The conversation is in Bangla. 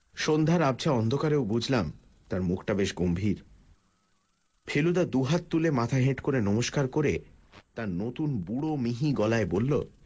সন্ধ্যার আবছা অন্ধকারেও বুঝলাম তাঁর মুখটা বেশ গম্ভীর ফেলুদা দুহাত তুলে মাথা হেঁট করে নমস্কার করে তার নতুন বুড়ো মিহি গলায় বলল